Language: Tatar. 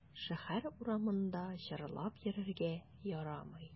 Шәһәр урамында җырлап йөрергә ярамый.